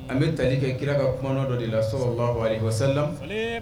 An bɛ tali kɛ kira ka kuma dɔ de la so salamu